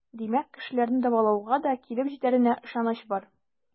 Димәк, кешеләрне дәвалауга да килеп җитәренә ышаныч бар.